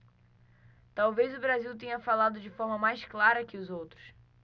talvez o brasil tenha falado de forma mais clara que os outros